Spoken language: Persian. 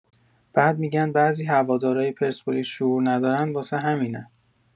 بعد می‌گن بعضی هواداری پرسپولیس شعور ندارن واسه همینه